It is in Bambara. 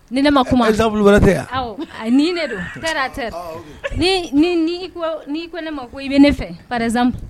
Ni ne ma kuma, exemple wɛrɛ tɛ yen wa, awɔ, nin de don terre à terre ɔ ok n'i ko ne a ko i bɛ ne fɛ par exemple